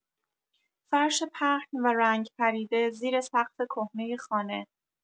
فرش پهن و رنگ‌پریده زیر سقف کهنه خانه